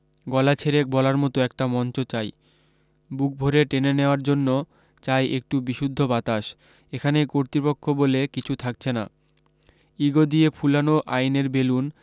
গলা ছেড়ে বলার মতো একটা মঞ্চ চাই বুক ভরে টেনে নেয়ার জন্য চাই একটু বিশুদ্ধ বাতাস এখানে কর্তৃপক্ষ বলে কিছু থাকছে না ইগো দিয়ে ফুলানো আইনের বেলুন